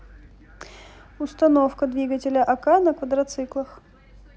установка двигателя ака на квадроциклах